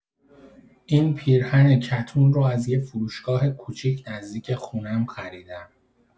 این پیرهن کتون رو از یه فروشگاه کوچیک نزدیک خونه‌ام خریدم.